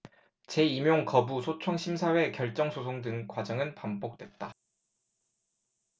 재임용 거부 소청 심사위 결정 소송 등 과정은 반복됐다